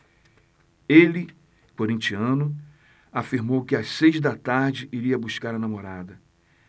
ele corintiano afirmou que às seis da tarde iria buscar a namorada